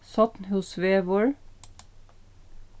sodnhúsvegur